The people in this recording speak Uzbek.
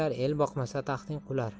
el boqmasa taxting qular